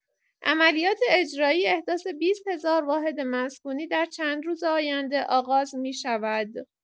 عملیات اجرایی احداث ۲۰ هزار واحد مسکونی در چند روز آینده آغاز می‌شود.